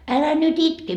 älä nyt itke